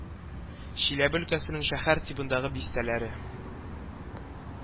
Чиләбе өлкәсенең шәһәр тибындагы бистәләре